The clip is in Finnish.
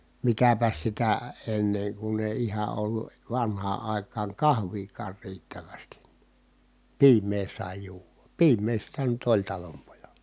mitäpäs sitä ennen kun ei ihan ollut vanhaan aikaan kahviakaan riittävästi piimää sai juoda piimää sitä nyt oli talonpojalla